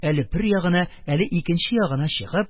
Әле бер ягына, әле икенче ягына чыгып,